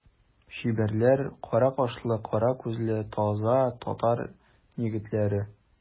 Чибәрләр, кара кашлы, кара күзле таза татар егетләре.